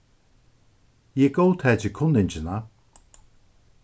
eg góðtaki kunningina